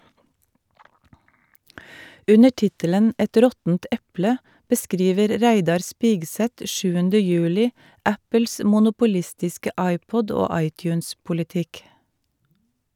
Under tittelen "Et råttent eple" beskriver Reidar Spigseth 7. juli Apples monopolistiske iPod- og iTunes-politikk.